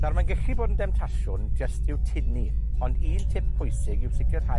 Nawr, mae'n gellu bod yn demtasiwn jyst i'w tynnu, ond un tip pwysig yw sicirhau